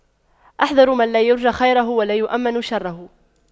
احذروا من لا يرجى خيره ولا يؤمن شره